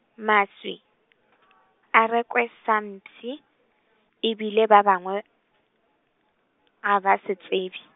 maswi , a rekwe sampshi , e bile ba bangwe, ga ba se tsebe.